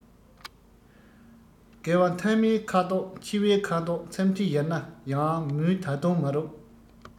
བསྐལ བ མཐའ མའི ཁ དོག འཆི བའི ཁ དོག མཚམས སྤྲིན ཡལ ན ཡང མུན ད དུང མ རུབ